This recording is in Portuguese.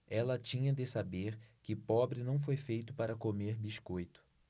ela tinha de saber que pobre não foi feito para comer biscoito